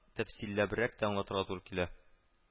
Тәфсилләбрәк тә аңлатырга туры килә